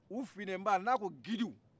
u finnenba n'a ko gidiw